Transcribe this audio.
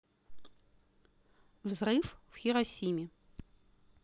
взрыв в хиросиме